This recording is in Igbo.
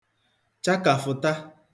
chakàfụ̀ta